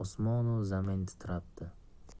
osmonu zamin titrabdi